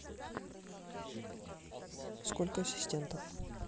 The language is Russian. сколько ассистентов